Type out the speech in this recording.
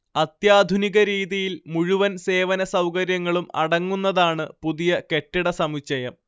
അത്യാധുനിക രീതിയിൽ മുഴുവൻ സേവന സൗകര്യങ്ങളും അടങ്ങുന്നതാണ് പുതിയ കെട്ടിടസമുച്ചയം